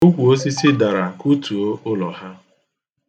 Ukwuosisi dara kutuo ụlọ ha